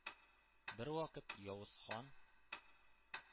Бервакыт явыз хан